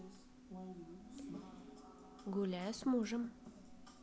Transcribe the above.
гуляю с мужем